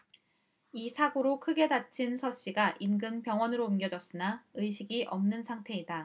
이 사고로 크게 다친 서씨가 인근 병원으로 옮겨졌으나 의식이 없는 상태다